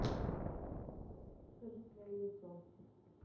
покажи свое лицо